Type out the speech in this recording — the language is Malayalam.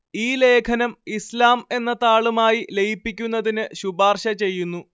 ഈ ലേഖനം ഇസ്ലാം എന്ന താളുമായി ലയിപ്പിക്കുന്നതിന് ശുപാർശ ചെയ്യുന്നു